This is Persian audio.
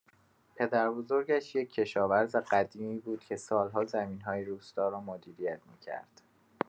پدربزرگش یک کشاورز قدیمی بود که سال‌ها زمین‌های روستا را مدیریت می‌کرد.